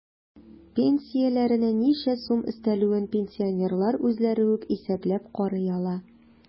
Пенсияләренә ничә сум өстәлүен пенсионерлар үзләре үк исәпләп карый ала.